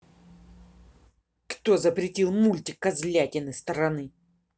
кто запретил мультик козлятины страны